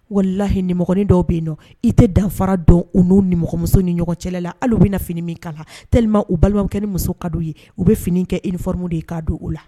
Wala lahi nimin dɔw bɛ yen nɔ i tɛ danfara dɔn u'u nimɔgɔmuso ni ɲɔgɔn cɛla la hali bɛna fini min kalan tma u balima kɛ ni muso ka ye u bɛ fini kɛ ifw de k'a don u la